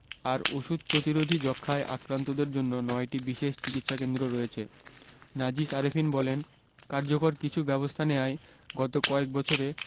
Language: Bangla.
আর ওষুধ প্রতিরোধী যক্ষ্মায় আক্রান্তদের জন্য ৯টি বিশেষ চিকিৎসাকেন্দ্র রয়েছে নাজিস আরেফিন বলেন কার্যকর কিছু ব্যবস্থা নেয়ায় গত কয়েক বছরে